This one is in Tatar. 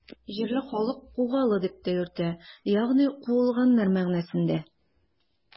Җирле халык Кугалы дип тә йөртә, ягъни “куылганнар” мәгънәсендә.